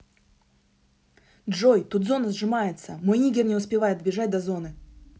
джой тут зона сжимается мой нигер не успевает добежать до зоны